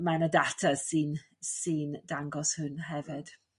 mae 'na data sy'n sy'n dangos hwn hefyd.